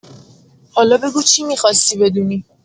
حالا بگو چی می‌خواستی بدونی؟